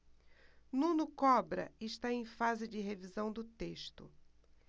nuno cobra está em fase de revisão do texto